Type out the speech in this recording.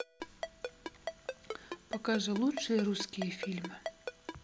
покажи лучшие русские фильмы